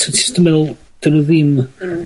So ti jyst yn me'wl 'dyn nw ddim... Hmm.